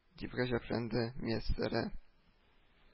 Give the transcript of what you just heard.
—дип гаҗәпләнде мияссәрә